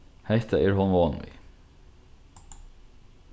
hetta er hon von við